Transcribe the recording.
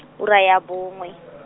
ura ya bongwe.